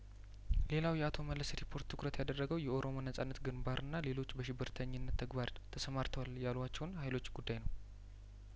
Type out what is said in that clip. ሌላው የአቶ መለስ ሪፖርት ትኩረት ያደረገበት የኦሮሞ ነጻነት ግንባርንና ሌሎች በሽብርተኝነት ተግባር ተሰማርተዋል ያሉዋቸውን ሀይሎች ጉዳይ ነው